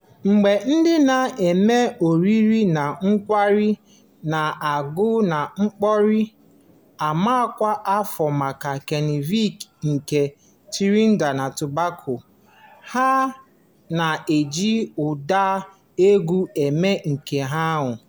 Mgbe ndị na-eme oriri na nkwari na-aga n'okporo ama kwa afọ maka Kanịva nke Trinidad na Tobago, ha na-eji ụda egwu eme nke ahụ.